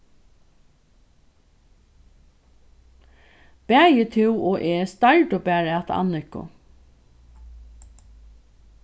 bæði tú og eg stardu bara at anniku